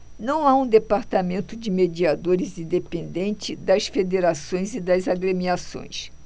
não há um departamento de mediadores independente das federações e das agremiações